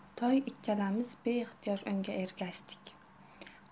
toy ikkalamiz beixtiyor unga ergashdik